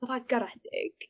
fatha garedig